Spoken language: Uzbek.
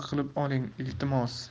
qilib oling iltimos